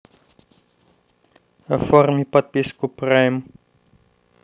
оформи подписку прайм